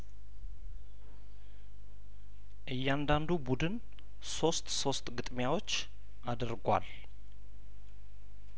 እያንዳንዱ ቡድን ሶስት ሶስት ግጥሚያዎች አድርጓል